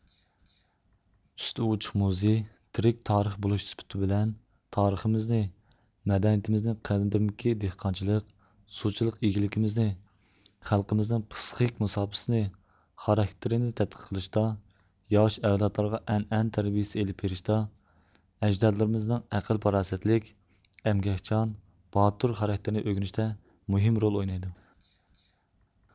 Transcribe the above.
ئۈستى ئۇچۇق موزىي تىرىك تارىخ بولۇش سۈپىتى بىلەن تارىخىمىزنى مەدەنىيىتىمىزنى قەدىمكى دېھقانچىلىق سۇچىلىق ئىگىلىكىمىزنى خەلقىمىزنىڭ پىسخىك مۇساپىسىنى خاراكتىرنى تەتقىق قىلىشتا ياش ئەۋلادلارغا ئەنئەنە تەربىيىسى ئېلىپ بېرىشتا ئەجدادلىرىمىزنىڭ ئەقىل پاراسەتلىك ئەمگەكچان باتۇر خاراكتېرىنى ئۆگىنىشىتە مۇھىم رول ئوينايدۇ